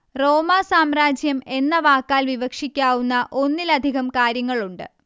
റോമാ സാമ്രാജ്യം എന്ന വാക്കാൽ വിവക്ഷിക്കാവുന്ന ഒന്നിലധികം കാര്യങ്ങളുണ്ട്